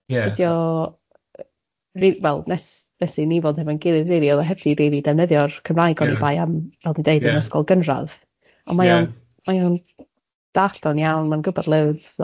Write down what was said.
...dio rili wel nes nes i ni fod hefo'n gilydd rili oedd o heb di rili defnyddio'r Cymraeg... Ie. ...onibai am fel dwi'n deud yn ysgol gynradd... Ie. ...ond mae o mae o'n dallt o'n iawn mae'n gwbod loads so.